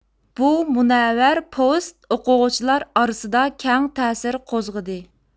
بۇ مۇنەۋۋەر پوۋېست ئوقۇغۇچىلار ئارىسىدا كەڭ تەسىر قوزغىدى